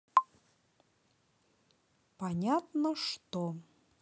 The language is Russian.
понятно что